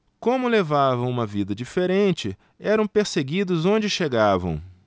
como levavam uma vida diferente eram perseguidos onde chegavam